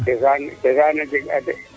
cosaan a jeg'a de